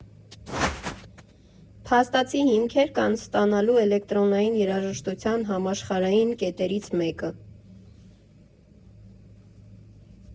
Փաստացի հիմքեր կան ստանալու էլեկտրոնային երաժշտության համաշխարհային կետերից մեկը։